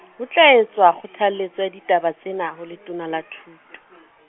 ho tla etswa kgothaletso ya ditaba tsena, ho Letona la Thuto.